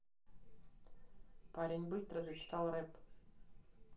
парень быстро зачитал рэп